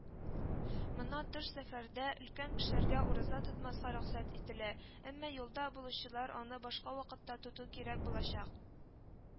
Монан тыш, сәфәрдә, өлкән кешеләргә ураза тотмаска рөхсәт ителә, әмма юлда булучылар аны башка вакытта тоту кирәк булачак